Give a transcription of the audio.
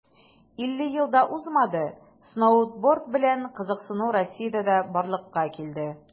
50 ел да узмады, сноуборд белән кызыксыну россиядә дә барлыкка килде.